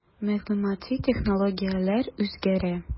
Мәгълүмати технологияләр үзгәрә.